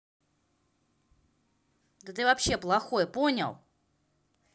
да ты вообще плохой понял